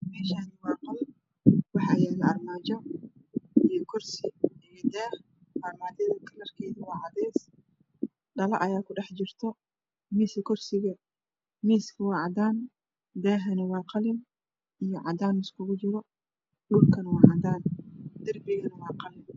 Meeshaani waa qol waxaa yaalo armaajo iyo kursi iyo daah. Armaajada kalarkeedu waa cadeys dhalo ayaa kudhex jirto. Miisku waa cadaan, daaha waa qalin iyo cadeys isku jira , dhulkuna waa cadaan darbiguna waa qalin.